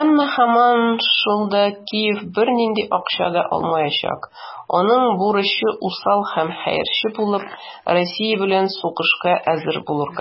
Әмма, һаман да шул, Киев бернинди акча да алмаячак - аның бурычы усал һәм хәерче булып, Россия белән сугышка әзер булырга.